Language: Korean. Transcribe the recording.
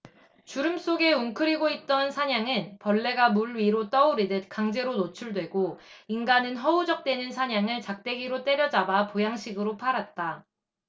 주름 속에 웅크리고 있던 산양은 벌레가 물위로 떠오르듯 강제로 노출되고 인간은 허우적대는 산양을 작대기로 때려잡아 보양식으로 팔았다